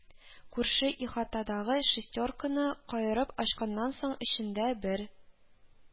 Күрше ихатадагы шестерканы каерып ачканнан соң, эчендә бер